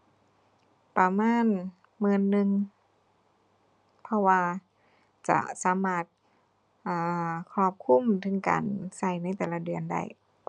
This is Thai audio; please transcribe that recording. ประมาณหมื่นหนึ่ง เพราะว่าจะสามารถ อ่า ครอบคลุมถึงการใช้ในแต่ละเดือนได้